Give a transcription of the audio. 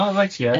O reit ie.